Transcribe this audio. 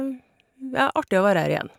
Ja, artig å være her igjen.